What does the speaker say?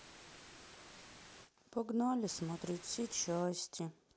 погнали смотреть все части